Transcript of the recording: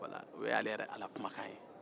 o ye ale yɛrɛ ala kumakan ye